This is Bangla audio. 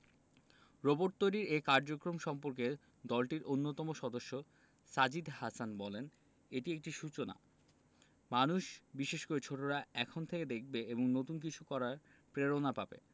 রোবট তৈরির এ কার্যক্রম সম্পর্কে দলটির অন্যতম সদস্য সাজিদ হাসান বললেন এটি একটি সূচনা মানুষ বিশেষ করে ছোটরা এখন থেকে দেখবে এবং নতুন কিছু করার প্রেরণা পাবে